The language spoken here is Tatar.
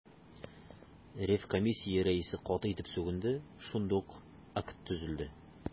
Ревкомиссия рәисе каты итеп сүгенде, шундук акт төзеде.